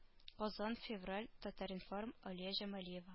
Казан февраль татар-информ алия җамалиева